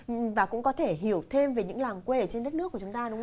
và cũng có thể hiểu thêm về những làng quê ở trên đất nước chúng ta đúng